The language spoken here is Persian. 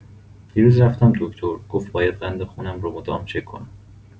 دیروز رفتم دکتر، گفت باید قند خونم رو مدام چک کنم.